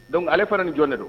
Dɔnkuc ale fana ni jɔn de don